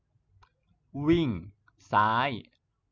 วิ่งซ้าย